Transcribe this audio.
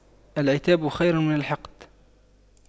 العتاب خير من الحقد